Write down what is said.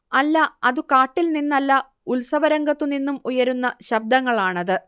അല്ല അതു കാട്ടിൽ നിന്നല്ല ഉൽസവരംഗത്തുനിന്നും ഉയരുന്ന ശബ്ദങ്ങളാണത്